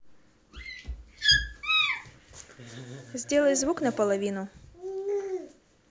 сделай звук на половину